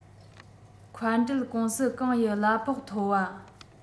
མཁའ འགྲུལ ཀུང སི གང ཡི གླ ཕོགས མཐོ བ